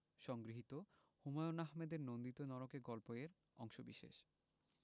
সংগৃহীত হুমায়ুন আহমেদের নন্দিত নরকে গল্প এর অংশবিশেষ